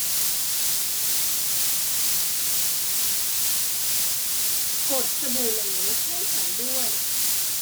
กดสบู่เหลวให้ฉันด้วย